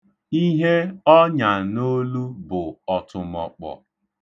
Ihe ọ nya n'olu bụ ọtụmọkpọ.